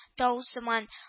Тау сыман